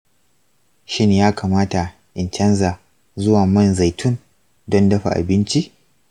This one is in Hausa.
shin ya kamata in canza zuwa mai zaitun don dafa abinci?